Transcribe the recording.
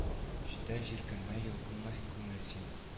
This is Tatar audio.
Җитәр җилкенмә йолкынма күңел син